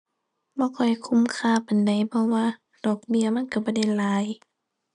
บ่ค่อยคุ้มค่าปานใด เพราะว่าดอกเบี้ยมันก็บ่ได้หลาย